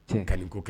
Diɲɛ ka di kojugu